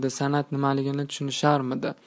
san'at nimaligini tushunisharmidi